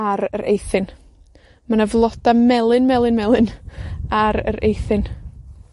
ar yr Eithin. Ma' 'na floda' melyn, melyn, melyn ar yr Eithin.